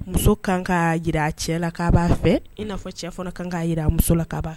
Muso kan ka jira a cɛ la k'a b'a fɛ in'a fɔ cɛ fana kan ka jira muso la ka